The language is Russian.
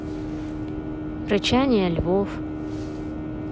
рычание львов